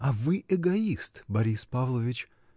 — А вы эгоист, Борис Павлович!